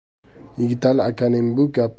yigitali akaning bu gapi